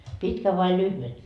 pitkän vai lyhyen